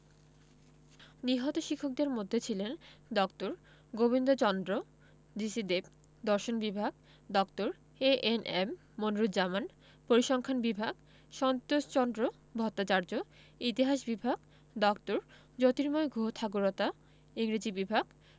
নিহত শিক্ষকদের মধ্যে ছিলেন ড. গোবিন্দচন্দ্র জি.সি দেব দর্শন বিভাগ ড. এ.এন.এম মনিরুজ্জামান পরিসংখান বিভাগ সন্তোষচন্দ্র ভট্টাচার্য ইতিহাস বিভাগ ড. জ্যোতির্ময় গুহঠাকুরতা ইংরেজি বিভাগ